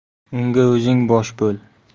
unga o'zing bosh bo'l